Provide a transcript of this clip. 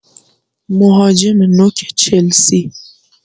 مهاجم نوک چلسی